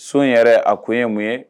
So in yɛrɛ a kun ye mun ye